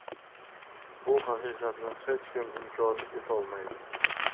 bu haqiqatni hech kim inkor etolmaydi